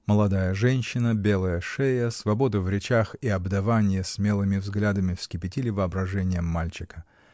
Молодая женщина, белая шея, свобода в речах и обдаванье смелыми взглядами вскипятили воображение мальчика.